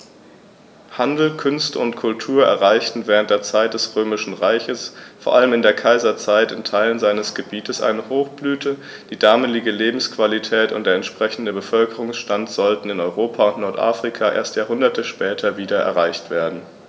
Handel, Künste und Kultur erreichten während der Zeit des Römischen Reiches, vor allem in der Kaiserzeit, in Teilen seines Gebietes eine Hochblüte, die damalige Lebensqualität und der entsprechende Bevölkerungsstand sollten in Europa und Nordafrika erst Jahrhunderte später wieder erreicht werden.